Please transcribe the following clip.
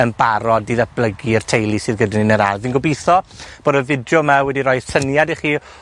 yn barod i ddatblygu'r teulu sydd gyda ni yn yr ardd. Fi'n gobitho bod y fideo 'ma wedi roi syniad i chi